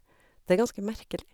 Det er ganske merkelig.